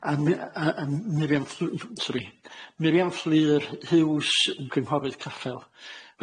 Amy- a- a- Myriam Thlw- s- sori Myriam Fflyr Huws yn cynghorydd Caffel.